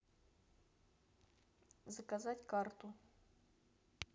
заказать карту